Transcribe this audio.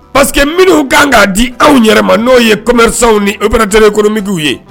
Parce que minnuw ka kan k'a di anw yɛrɛ ma n'o ye commerçant ni opérateurs économiques ye.